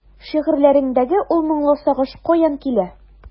Шигырьләреңдәге ул моңлы сагыш каян килә?